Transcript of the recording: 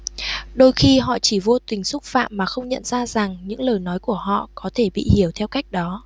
đôi khi họ chỉ vô tình xúc phạm và không nhận ra rằng những lời nói của họ có thể bị hiểu theo cách đó